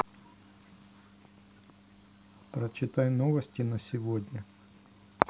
прочитай новости на сегодня